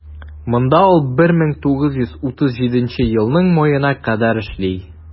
Монда ул 1937 елның маена кадәр эшли.